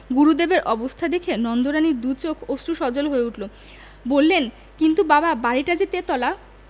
গুরুদেবের অবস্থা দেখে নন্দরানীর দুচোখ অশ্রু সজল হয়ে উঠল বললেন কিন্তু বাবা বাড়িটা যে তেতলা